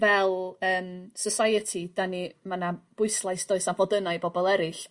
Fel yn society 'dan ni ma' 'na bwyslais does a bod yna i bobol eryll.